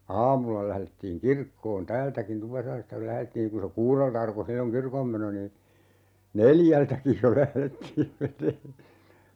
aamulla lähdettiin kirkkoon täältäkin Tupasaaresta kun lähdettiin kun se kuudelta alkoi silloin kirkonmeno niin neljältäkin jo lähdettiin menemään sinne